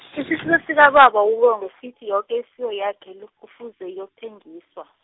isifiso sakababa uBongwe sithi yoke ifuyo yakhe kufuze iyokuthengiswa.